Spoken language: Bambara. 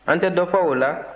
an tɛ dɔ fɔ o la